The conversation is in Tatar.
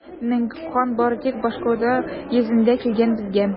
Мәңгүк хан бары тик башкода йөзендә килгән безгә!